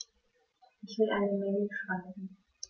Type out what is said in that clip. Ich will eine Mail schreiben.